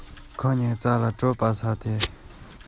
བཏང བ ན དེ ཙམ གྱིས རྙོག དྲ ཇེ ཆེར སོང